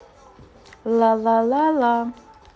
lalala